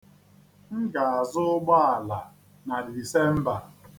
M ga-azụ ụgbọala na Disemba.